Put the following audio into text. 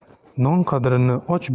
non qadrini och